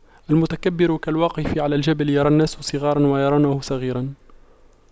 المتكبر كالواقف على الجبل يرى الناس صغاراً ويرونه صغيراً